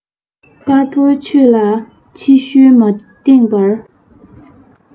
དཀར པོ ཆོས ལ ཕྱི བཤོལ མ འདིངས པར